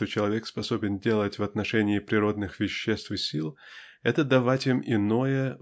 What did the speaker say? что человек способен делать в отношении природных веществ и сил это -- давать им иное